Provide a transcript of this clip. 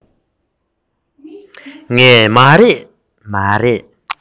ངས མ རེད མ རེད